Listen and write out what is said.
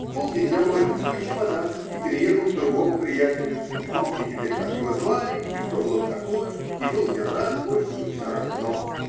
*** В полдень я уложил свой чемодан и переехал к другому приятелю, не помню теперь, как его звали и кто был он такой, и был ли рад гостю, все равно.